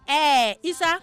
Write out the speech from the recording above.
Ɛɛ Isa